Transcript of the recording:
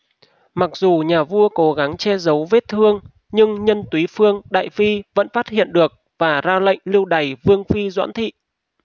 mặc dù nhà vua cố gắng che giấu vết thương nhưng nhân túy vương đại phi vẫn phát hiện được và ra lệnh lưu đày vương phi doãn thị